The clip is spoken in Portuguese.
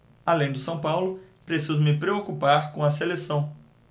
além do são paulo preciso me preocupar com a seleção